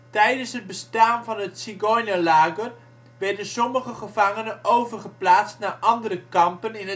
Tijdens het bestaan van het Zigeunerlager werden sommige gevangenen overgeplaatst naar andere kampen